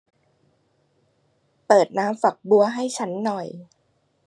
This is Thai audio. เปิดน้ำฝักบัวให้ฉันหน่อย